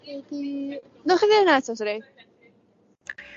be 'di'r... newchi ddeud hyna eto sori?